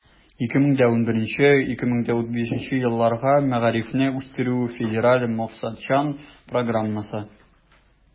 2011 - 2015 елларга мәгарифне үстерү федераль максатчан программасы.